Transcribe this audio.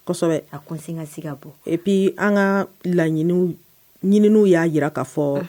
Kosɛbɛ a conséquence ka bon, et puis an ka laɲininw ɲininiw y'a jira k'a fɔ